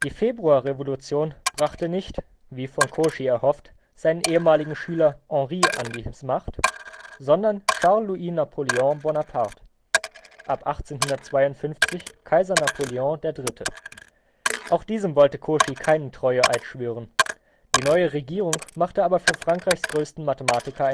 Februarrevolution brachte nicht, wie von Cauchy erhofft, seinen ehemaligen Schüler Henri an die Macht, sondern Charles-Louis-Napoléon Bonaparte (ab 1852 Kaiser Napoléon III.). Auch diesem wollte Cauchy keinen Treueeid schwören. Die neue Regierung machte aber für Frankreichs größten Mathematiker